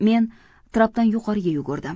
men trapdan yuqoriga yugurdim